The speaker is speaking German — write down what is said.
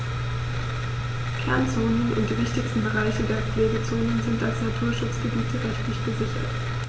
Kernzonen und die wichtigsten Bereiche der Pflegezone sind als Naturschutzgebiete rechtlich gesichert.